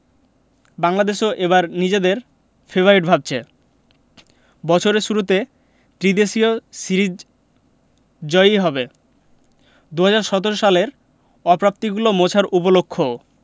বাংলাদেশও এবার নিজেদের ফেবারিট ভাবছে বছরের শুরুতে ত্রিদেশীয় সিরিজ জয়ই হবে ২০১৭ সালের অপ্রাপ্তিগুলো মোছার উপলক্ষও